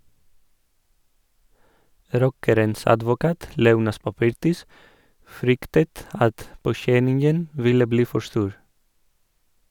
Rockerens advokat, Leonas Papirtis, fryktet at påkjenningen ville bli for stor.